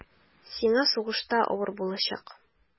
Сиңа сугышта авыр булачак.